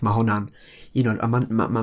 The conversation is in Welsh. Ma' honna'n un o'n, a ma'n, ma- ma-